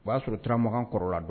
O b'a sɔrɔ turamagan kɔrɔ la don